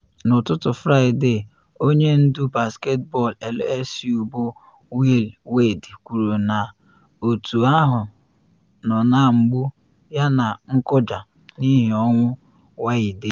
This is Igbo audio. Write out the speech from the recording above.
N’ụtụtụ Fraịde, onye ndu basketbọọlụ LSU bụ Will Wade kwuru na otu ahụ nọ na “mgbu” yana “nkụja” n’ihi ọnwụ Wayde.